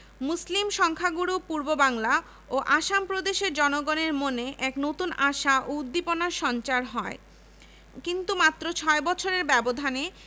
মুসলিম সংখ্যাগুরু পূর্ববাংলা ও আসাম প্রদেশের জনগণের মনে এক নতুন আশা ও উদ্দীপনার সঞ্চার হয় কিন্তু মাত্র ছয় বছরের ব্যবধানে